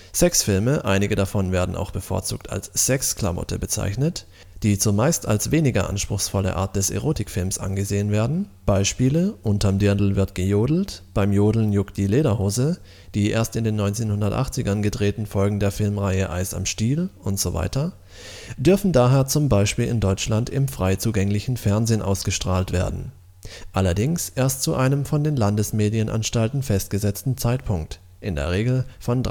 Sexfilme (einige davon werden auch bevorzugt als „ Sex-Klamotte “bezeichnet), die zumeist als weniger anspruchsvolle Art des Erotikfilms angesehen werden (Beispiele: Unterm Dirndl wird gejodelt, Beim Jodeln juckt die Lederhose, die erst in den 1980ern gedrehten Folgen der Filmreihe Eis am Stiel usw.), dürfen daher z. B. in Deutschland im frei zugänglichen Fernsehen ausgestrahlt werden, allerdings erst zu einem von den Landesmedienanstalten festgesetzten Zeitpunkt (in der Regel von